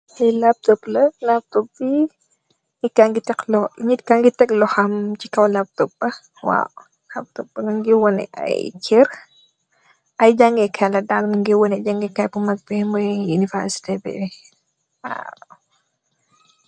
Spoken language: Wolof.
Lii amb jeffedekou waye la nit bi mougui tek loho ci kawam mougui wonne jangee kaye bou mack bii